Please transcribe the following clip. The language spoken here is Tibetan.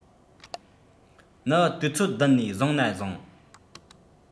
ནི དུས ཚོད བདུན ནས བཟུང ན བཟང